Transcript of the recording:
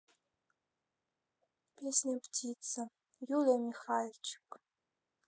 песня птица юлия михальчик